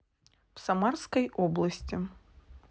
в самарской области